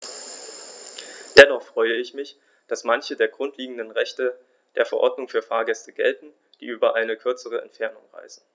Dennoch freue ich mich, dass manche der grundlegenden Rechte der Verordnung für Fahrgäste gelten, die über eine kürzere Entfernung reisen.